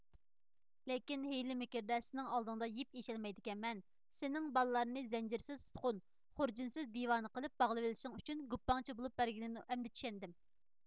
لېكىن ھىيلە مىكىردە سېنىڭ ئالدىڭدا يىپ ئېشەلمەيدىكەنمەن سېنىڭ بالىلارنى زەنجىرسىز تۇتقۇن خۇرجۇنسىز دىۋانە قىلىپ باغلىۋېلىشىڭ ئۈچۈن گۇپپاڭچى بولۇپ بەرگىنىمنى ئەمدى چۈشەندىم